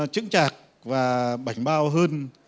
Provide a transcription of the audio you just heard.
chững chạc và bảnh bao hơn